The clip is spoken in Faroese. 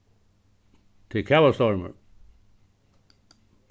tað er kavastormur